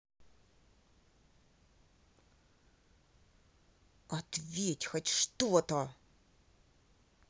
ответь хоть что то